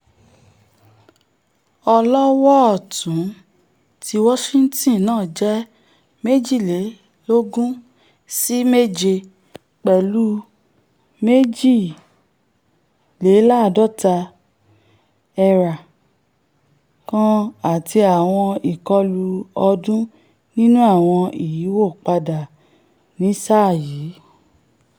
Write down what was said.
Ọlọ́wọ́-ọ̀tún ti Washington náà jẹ́ 18-7 pẹ̀lú 2.53 ERA kan àti àwọn ìkọlù ọ̀ọ́dún nínú àwọn i̇̀yíwọ́padà ní sáà yìí.